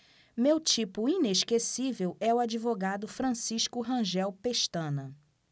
meu tipo inesquecível é o advogado francisco rangel pestana